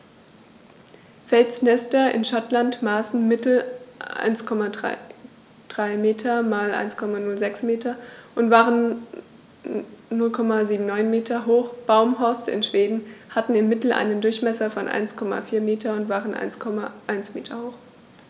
Felsnester in Schottland maßen im Mittel 1,33 m x 1,06 m und waren 0,79 m hoch, Baumhorste in Schweden hatten im Mittel einen Durchmesser von 1,4 m und waren 1,1 m hoch.